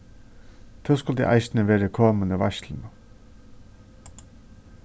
tú skuldi eisini verið komin í veitsluna